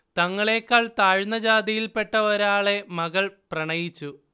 തങ്ങളേക്കാൾ താഴ്ന്ന ജാതിയിൽെപ്പട്ട ഒരാെള മകൾ പ്രണയിച്ചു